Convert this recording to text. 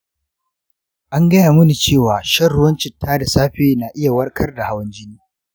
an gaya mini cewa shan ruwan citta da safe na iya warkar da hawan jini.